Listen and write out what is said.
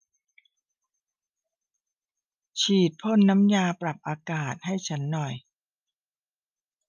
ฉีดพ่นน้ำยาปรับอากาศให้ฉันหน่อย